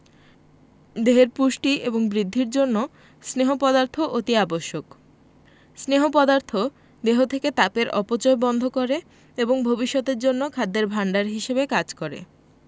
দেহের পুষ্টি এবং বৃদ্ধির জন্য স্নেহ পদার্থ অতি আবশ্যক স্নেহ পদার্থ দেহ থেকে তাপের অপচয় বন্ধ করে এবং ভবিষ্যতের জন্য খাদ্যের ভাণ্ডার হিসেবে কাজ করে